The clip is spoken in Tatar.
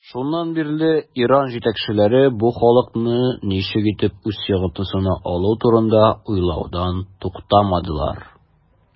Шуннан бирле Иран җитәкчеләре бу халыкны ничек итеп үз йогынтысына алу турында уйлаудан туктамадылар.